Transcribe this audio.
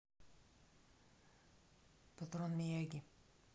патрон мияги